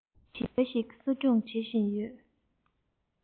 བྱིས པ ཞིག གསོ སྐྱོང བྱེད བཞིན ཡོད